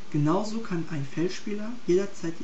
Genauso kann ein Feldspieler jederzeit